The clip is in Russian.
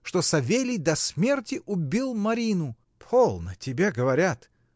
— Что Савелий до смерти убил Марину. — Полно, тебе говорят!.